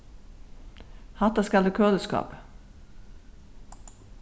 hatta skal í køliskápið